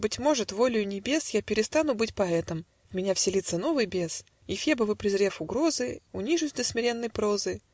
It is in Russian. Быть может, волею небес, Я перестану быть поэтом, В меня вселится новый бес, И, Фебовы презрев угрозы, Унижусь до смиренной прозы